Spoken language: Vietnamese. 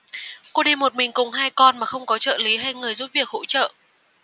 cô đi một mình cùng hai con mà không có trợ lý hay người giúp việc hỗ trợ